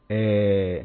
Ee